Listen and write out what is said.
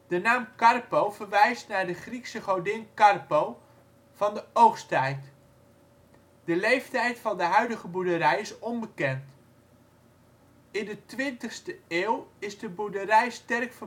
De naam karpo verwijst naar de Griekse godin Carpo van de oogsttijd. De leeftijd van de huidige boerderij is onbekend. In de 20e eeuw is de boerderij sterk